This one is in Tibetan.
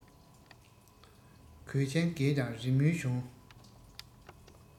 གོས ཆེན རྒས ཀྱང རི མོའི གཞུང